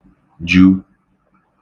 jū